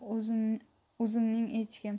o'zimning echkim